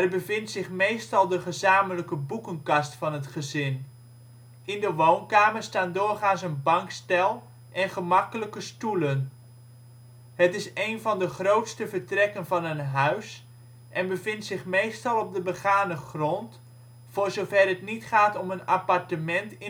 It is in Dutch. bevindt zich meestal de gezamenlijke boekenkast van het gezin. In de woonkamer staan doorgaans een bankstel en gemakkelijke stoelen. Het is een van de grootste vertrekken van een huis en bevindt zich meestal op de begane grond, voor zover het niet gaat om een appartement